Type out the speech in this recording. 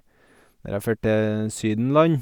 Der jeg fær til sydenland.